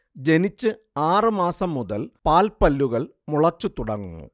ജനിച്ച് ആറുമാസം മുതൽ പാൽപ്പല്ലുകൾ മുളച്ചുതുടങ്ങുന്നു